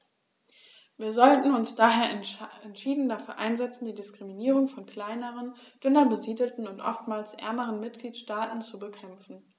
Wir sollten uns daher entschieden dafür einsetzen, die Diskriminierung von kleineren, dünner besiedelten und oftmals ärmeren Mitgliedstaaten zu bekämpfen.